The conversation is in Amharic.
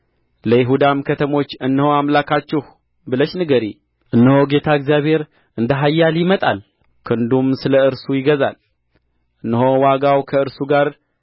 ለይሁዳም ከተሞች እነሆ አምላካችሁ ብለሽ ንገሪ እነሆ ጌታ እግዚአብሔር እንደ ኃያል ይመጣል ክንዱም ስለ እርሱ ይገዛል እነሆ ዋጋው ከእርሱ ጋር